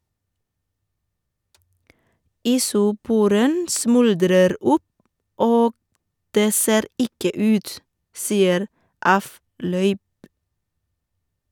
Isoporen smuldrer opp, og det ser ikke ut, sier Avløyp.